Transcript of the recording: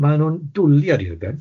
Ma' nw'n dwli ar Jürgen.